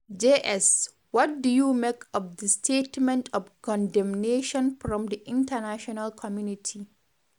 JS: What do you make of the statements of condemnation from the international community?